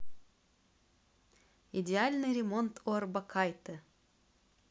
идеальный ремонт у орбакайте